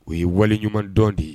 O ye waleɲumandɔn de ye